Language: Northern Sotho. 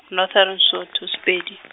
Northern Sotho, Sepedi.